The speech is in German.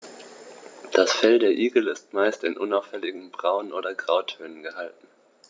Das Fell der Igel ist meist in unauffälligen Braun- oder Grautönen gehalten.